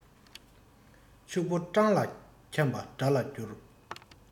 ཕྱུག པོ སྤྲང ལ འཁྱམས པ དགྲ ལ འགྱུར